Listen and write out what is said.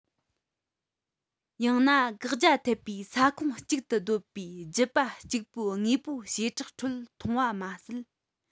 ཡང ན བཀག རྒྱ ཐེབས པའི ས ཁོངས གཅིག ཏུ སྡོད པའི རྒྱུད པ གཅིག པའི དངོས པོའི བྱེ བྲག ཁྲོད མཐོང བ མ ཟད